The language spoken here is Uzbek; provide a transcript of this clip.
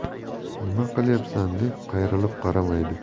nima qilyapsan deb qayrilib qaramaydi